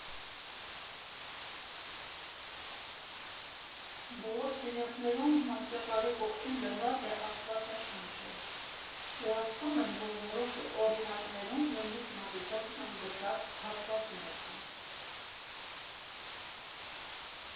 Բոլոր սենյակներում մահճակալի կողքին դրված է Աստվածաշունչը, ու ասում են, որ որոշ օրինակներում նույնիսկ մատիտով ընդգծած հատվածներ կան.